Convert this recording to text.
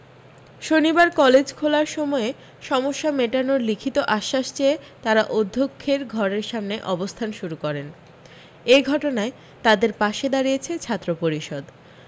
শনিবার কলেজ খোলার সময়ে সমস্যা মেটানোর লিখিত আশ্বাস চেয়ে তাঁরা অধ্যক্ষের ঘরের সামনে অবস্থান শুরু করেন এই ঘটনায় তাঁদের পাশে দাঁড়িয়েছে ছাত্র পরিষদ